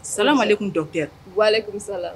Sa ma tun dɔ kɛ